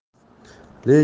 lekin hech